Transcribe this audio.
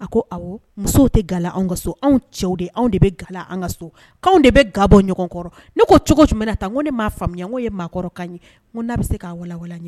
A ko awɔ musow tɛ ga la an ka so anw cɛw de anw de bɛ ga an ka so k'anw de bɛ ga bɔ ɲɔgɔn kɔrɔ ne ko cogo jumɛn na tan n ko ne m'a faamuya n ko ye maakɔrɔ kan ye n ko n'a bɛ se k'a walawala n ye